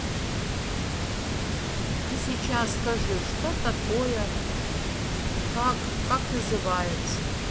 ты сейчас скажи что такое как как называется